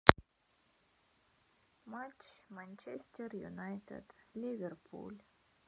матч манчестер юнайтед ливерпуль